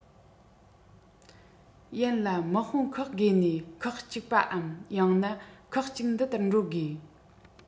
ཡིན ལ དམག དཔུང ཁག བགོས ནས ཁག ཅིག པའམ ཡང ན ཁག གཅིག འདི ལྟར འགྲོ དགོས